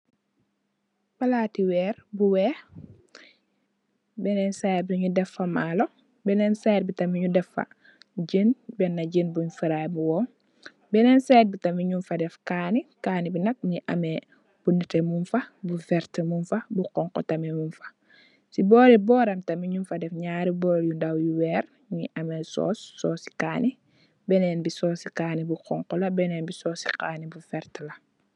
Palaati weer bu weex, baneen sid bi nyu def fa malo, beneen sid bi tamit nyu def jen, benne jen bu faraay bu waw, beneen sid bi tamit nyun fa def kane, kane bi nak mingi ame, bu nete mung fa, bu werta mung fa, bu xonxu tamit mung fa, si booram tam nyun fa def nyaari bool yu ndaw yu weer, nyun gi ame soos, soosi kane, beneen bi soosi kane bu xonxu la, beneen bi soosi kane bu verte la.